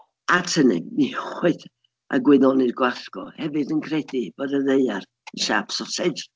At hynny, mi oedd y gwyddonydd gwallgof hefyd yn credu bod y ddaear yn siâp sosej.